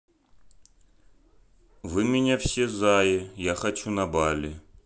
вы меня все зае я хочу на бали